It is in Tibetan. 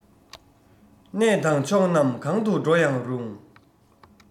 གནས དང ཕྱོགས རྣམས གང དུ འགྲོ ཡང རུང